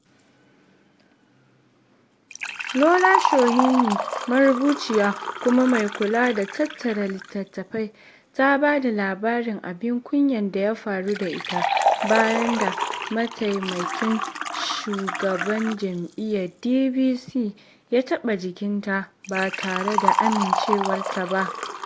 Lola Shoneyin marubuciya kuma mai kula da tattara litattafai ta ba da labarin "abin kunya" da ya faru da ita bayan da Mataimakin Shugaban Jami'a (DVC) ya taɓa jikinta ba tare da amincewarta ba.